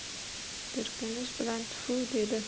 jirkanish bilan tfu dedi